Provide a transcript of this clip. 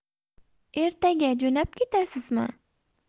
ertaga jo'nab ketasizmi